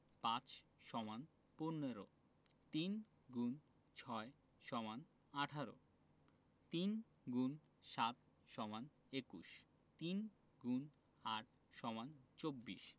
৫ = ১৫ ৩ x ৬ = ১৮ ৩ × ৭ = ২১ ৩ X ৮ = ২৪